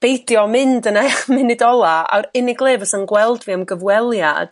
beidio mynd yna mynd ola' a'r unig le fysa'n gweld fi am gyfweliad